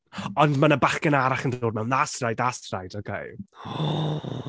Ond mae 'na bachgen arall yn dod mewn, that’s right, that’s right, okay .